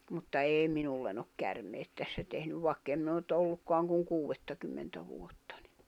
mutta ei minulle ole käärmeet tässä tehnyt vaikka en minä ole nyt ollutkaan kuin kuudettakymmentä vuotta niin